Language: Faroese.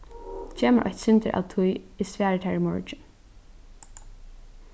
gev mær eitt sindur av tíð eg svari tær í morgin